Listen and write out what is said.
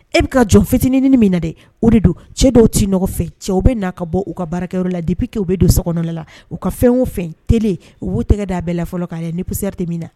E bi ka jɔn fitininin min na dɛ o de don . Cɛ dɔw ti nɔgɔ fɛ cɛw bɛ na ka bɔ u ka baarakɛyɔrɔ la depuis que u bɛ don so kɔnɔna la u ka fɛn o fɛn télé u bu tɛgɛ da bɛɛ la fɔlɔ ka lajɛ ni poussière tɛ min na.